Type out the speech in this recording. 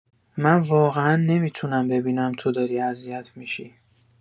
من واقعا نمی‌تونم ببینم توداری اذیت می‌شی.